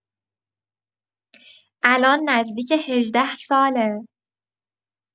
الان نزدیک هجده‌ساله.